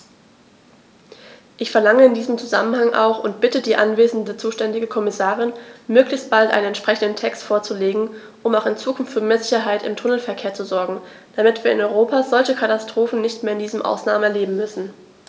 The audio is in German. Ich verlange in diesem Zusammenhang auch und bitte die anwesende zuständige Kommissarin, möglichst bald einen entsprechenden Text vorzulegen, um auch in Zukunft für mehr Sicherheit im Tunnelverkehr zu sorgen, damit wir in Europa solche Katastrophen nicht mehr in diesem Ausmaß erleben müssen!